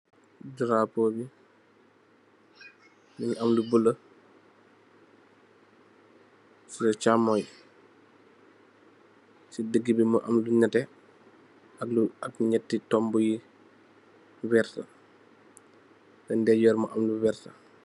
Drapeau bii mungy am lu bleu, cii sa chaamongh, cii digi bi mu am lu nehteh ak lu, ak njehti tombu yu vertah, sa ndeyjorr mu am lu vertue.